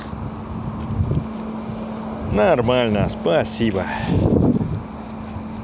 нормально спасибо